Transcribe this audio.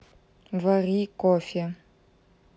вари кофе